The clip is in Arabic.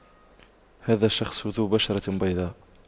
هذا الشخص ذو بشرة بيضاء